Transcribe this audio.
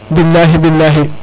bilahi bilahi